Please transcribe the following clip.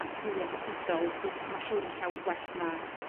a sgilie digidol sydd... Ma' siŵr yn llawer gwell na